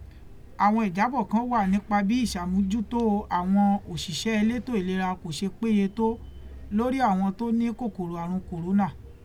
Àwọn ìjábọ̀ kan wà nípa bí ìṣàmójútó àwọn òṣìṣẹ́ elétò ìlera kò ṣe péye tó lórí àwọn tó ní kòkòrò àrùn Kòrónà.